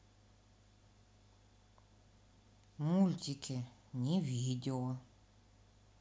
мультики не видео